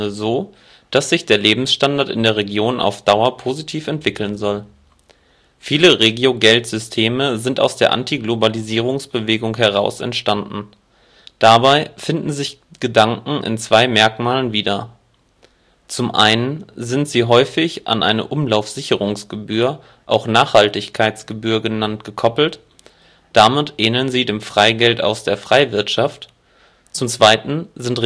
so, dass sich der Lebensstandard in der Region auf Dauer positiv entwickeln soll. Viele Regiogeldsysteme sind aus der Antiglobalisierungsbewegung heraus entstanden. Dabei finden sich Gedanken in zwei Merkmalen wieder: Zum einen sind sie häufig an eine Umlaufsicherungsgebühr, auch Nachhaltigkeitsgebühr genannt, gekoppelt. Damit ähneln sie dem Freigeld aus der Freiwirtschaft. Zum zweiten sind